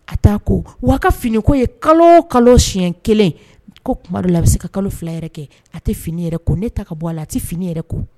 A taa ko waga ka fini ko ye kalo kalo siɲɛ kelen ko tuma la a bɛ se ka kalo fila yɛrɛ kɛ a tɛ fini yɛrɛ ko ne ta ka bɔ a la a tɛ fini yɛrɛ ko